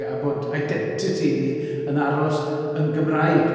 A bod identity ni yn aros yn Gymraeg.